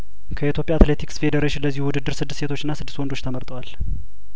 ከኢትዮጵያ አትሌቲክስ ፌዴሬሽን ለዚሁ ውድድር ስድስት ሴቶችና ስድስት ወንዶች ተመርጠዋል